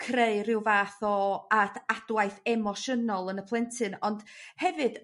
creu rhyw fath o ad- adwaith emosiynol yn y plentyn ond hefyd